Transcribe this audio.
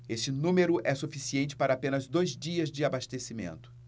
esse número é suficiente para apenas dois dias de abastecimento